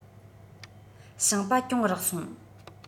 ཞིང པ གྱོང རག སོང